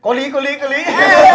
có lý có lý có lý